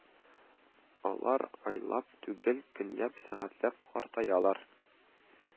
Алар айлап түгел, көнләп, сәгатьләп картаялар